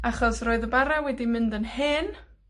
Achos roedd y bara wedi mynd yn hen,